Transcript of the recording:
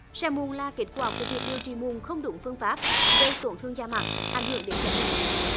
sẹo mụn là kết quả của việc điều trị mụn không đúng phương pháp gây tổn thương da mặt ảnh hưởng đến thẩm mỹ